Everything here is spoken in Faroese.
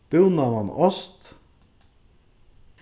búnaðan ost